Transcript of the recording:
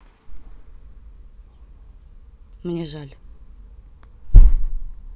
мне жаль